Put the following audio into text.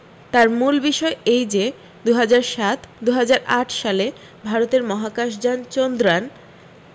তার মূল বিষয় এই যে দু হাজার সাত দু হাজার আট সালে ভারতের মহাকাশযান চন্দ্র্যান